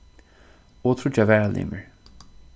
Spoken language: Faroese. og tríggjar varalimir